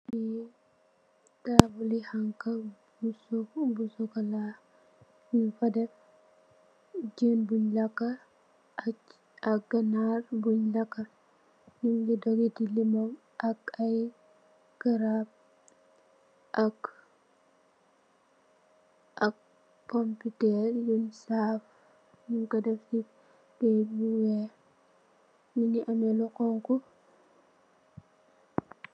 Li taabul hangha bu sokola, nung fa def jën bun lakka ak ganaar bun lakka nungi dogit ti limon ak ay crab ak pumpitèrr yung saff nung ko def ci kayit bu weeh mungi ameh lu honku.